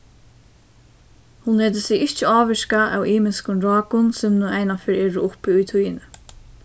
hon letur seg ikki ávirka av ymiskum rákum sum nú einaferð eru uppi í tíðini